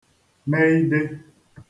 meidē